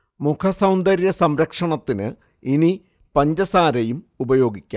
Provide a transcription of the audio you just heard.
മുഖ സൗന്ദര്യ സംരക്ഷണത്തിന് ഇനി പഞ്ചസാരയും ഉപയോഗിക്കാം